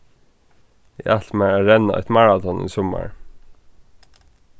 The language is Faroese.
eg ætli mær at renna eitt maraton í summar